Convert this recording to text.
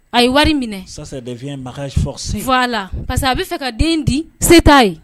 A ye wari minɛ la parce a bɛa fɛ ka den di se t'a ye